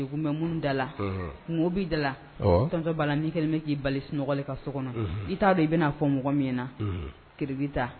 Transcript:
Degun bɛ minnu da la kungo bi da la tonton Bala min kɛlen bɛ k'i bali sunɔgɔ la i ka so kɔnɔ i t'a dɔn i bɛnaa fɔ mɔgɔ min ɲɛna